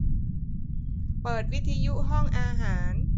เปิดวิทยุห้องอาหาร